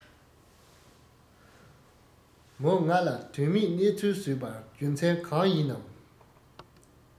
མོ ང ལ དོན མེད གནས ཚུལ ཟོས པར རྒྱུ མཚན གང ཡིན ནམ